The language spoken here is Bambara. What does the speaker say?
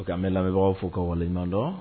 O' lamɛnbagaw fo ka waleɲumandɔn